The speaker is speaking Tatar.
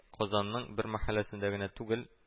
Казанның бер мәхәлләсендә генә түгел